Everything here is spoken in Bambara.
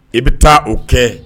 I bɛ taa o kɛ